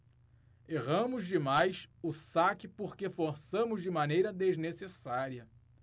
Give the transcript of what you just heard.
erramos demais o saque porque forçamos de maneira desnecessária